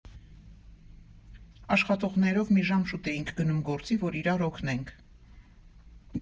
«Աշխատողներով մի ժամ շուտ էինք գնում գործի, որ իրար օգնենք։